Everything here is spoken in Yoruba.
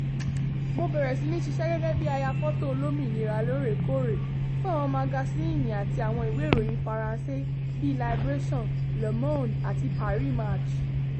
Mo bẹ̀rẹ̀ sí ní ṣisẹ́ gẹ́gẹ́ bíi ayafọ́tò olómìnira lóòrèkóòrè fún àwọn magasíìnì àti àwọn ìwé ìròyìn Faransé, bíi Libération, Le Monde, àti Paris Match.